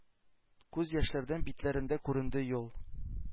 Күз яшьләрдән битләрендә күренде юл;